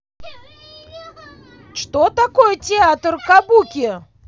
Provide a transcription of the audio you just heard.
что такое театр кабуки